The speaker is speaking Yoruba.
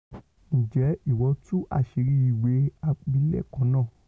Ǹjẹ́ ìwọ tú àṣ̵írí ìwé àpilẹ̀kọ náà?